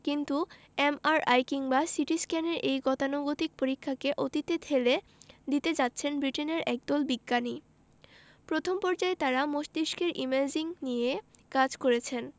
কিন্তু এমআরআই কিংবা সিটিস্ক্যানের এই গতানুগতিক পরীক্ষাকে অতীতে ঠেলে দিতে যাচ্ছেন ব্রিটেনের একদল বিজ্ঞানী প্রথম পর্যায়ে তারা মস্তিষ্কের ইমেজিং নিয়ে কাজ করেছেন